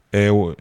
Ayiwa